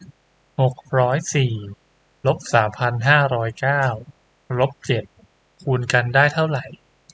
หกร้อยสี่ลบสามพันห้าร้อยเก้าลบเจ็ดคูณกันได้เท่าไหร่